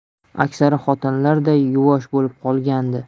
aksari xotinlarday yuvosh bo'lib qolgandi